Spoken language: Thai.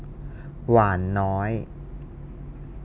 หวานน้อย